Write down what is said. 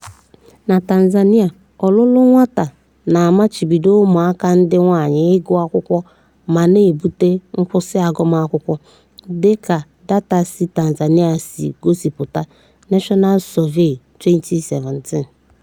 Na Tanzania, ọlụlụ nwata na-amachibido ụmụaka ndị nwaanyị ịgu akwụkwọ ma na-ebute nkwụsị agụmakwụkwọ, dị ka data si Tanzania si gosipụta (National Survey,2017).